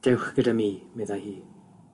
Dewch gyda mi medda hi.